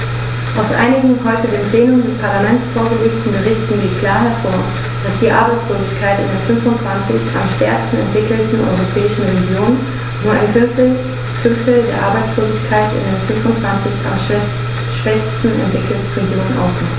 Aus einigen heute dem Plenum des Parlaments vorgelegten Berichten geht klar hervor, dass die Arbeitslosigkeit in den 25 am stärksten entwickelten europäischen Regionen nur ein Fünftel der Arbeitslosigkeit in den 25 am schwächsten entwickelten Regionen ausmacht.